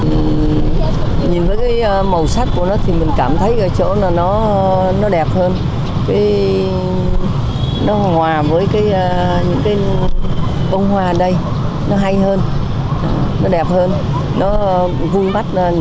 nhìn cái màu sắc của nó thì mình cảm thấy ở chỗ là nó đẹp hơn với nó hòa với cái với những cái bông hoa ở đây nó hay hơn đẹp hơn nó vun đắp lên